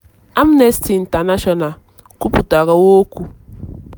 Amnesty International kwupụtakwara okwu.